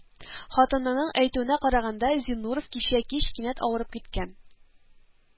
Хатынының әйтүенә караганда, Зиннуров кичә кич кинәт авырып киткән